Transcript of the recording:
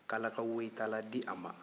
k'ala ka woyitala di a ma